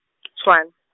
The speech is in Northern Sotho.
Tshwan-.